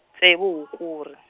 ntsevu Hukuri.